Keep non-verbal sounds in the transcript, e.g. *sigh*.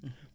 *hesitation* *hesitation*